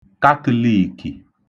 katə̣̄līìkì